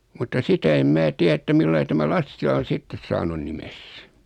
mutta sitä en minä tiedä että millä lailla tämä Lassila on sitten saanut nimensä